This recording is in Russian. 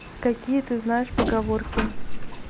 какие ты знаешь поговорки